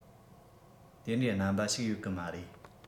དེ འདྲའི རྣམ པ ཞིག ཡོད གི མ རེད